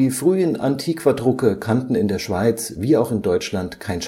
frühen Antiquadrucke kannten in der Schweiz wie auch in Deutschland kein